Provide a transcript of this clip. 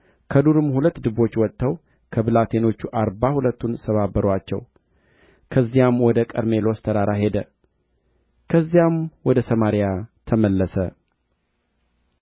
በመንገድም ሲወጣ ብላቴኖች ከከተማይቱ ወጥተው አንተ መላጣ ውጣ አንተ መላጣ ውጣ ብለው አፌዙበት ዘወርም ብሎ አያቸው በእግዚአብሔርም ስም ረገማቸው